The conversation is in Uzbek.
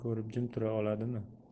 ko'rib jim tura oladimi